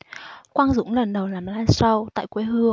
quang dũng lần đầu làm live show tại quê hương